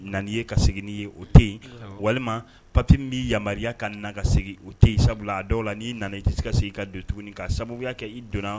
Nan ye ka segin' ye o tɛ yen walima papi min bɛ yama ka nana ka segin o tɛ yen sabula a dɔw la'i nana i tɛ se ka segin i ka don tuguni ka sababuya kɛ i donna